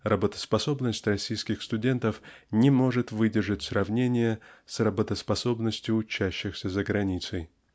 работоспособность российских студентов не может выдержать сравнения с работоспособностью учащихся за границей.